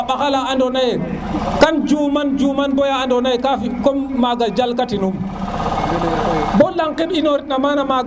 a mbaxa la ando na ye kam juma juman bala andona ye ka comme maga jal ka tinum bo lang ke ɓiɓong na mana maga ndey ka